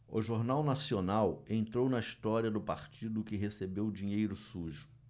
o jornal nacional entrou na história do partido que recebeu dinheiro sujo